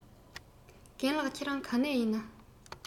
རྒན ལགས ཁྱེད རང ག ནས ཡིན ན